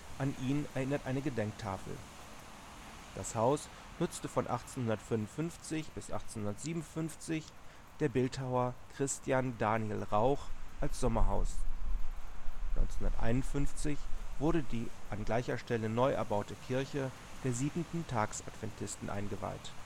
An ihn erinnert eine Gedenktafel. Das Haus nutzte von 1855 bis 1857 der Bildhauer Christian Daniel Rauch als Sommerhaus. 1951 wurde die an gleicher Stelle neu erbaute Kirche der Siebenten-Tags-Adventisten eingeweiht